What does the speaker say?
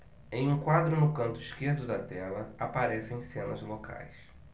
em um quadro no canto esquerdo da tela aparecem cenas locais